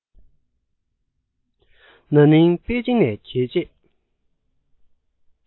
ན ནིང པེ ཅིན ནས གྱེས རྗེས